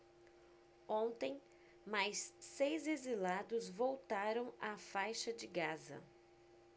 ontem mais seis exilados voltaram à faixa de gaza